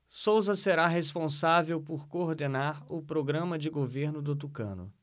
souza será responsável por coordenar o programa de governo do tucano